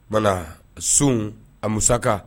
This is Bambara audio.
Tuma na sun a musaka